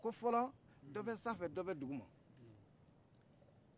ko fɔlɔ dɔ bɛ san fɛ dɔbɛ duguma